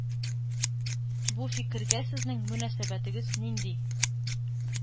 Бу фикергә сезнең мөнәсәбәт нинди?